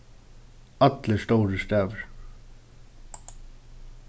allir stórir stavir